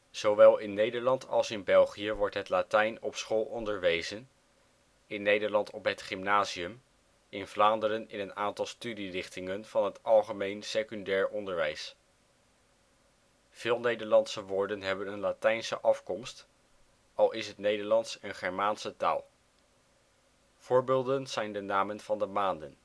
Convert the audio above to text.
Zowel in Nederland als in België wordt het Latijn op school onderwezen: in Nederland op het gymnasium, in Vlaanderen in een aantal studierichtingen van het Algemeen secundair onderwijs. Veel Nederlandse woorden hebben een Latijnse afkomst, al is het Nederlands een Germaanse taal. Voorbeelden zijn de namen van de maanden